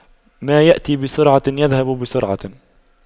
ما يأتي بسرعة يذهب بسرعة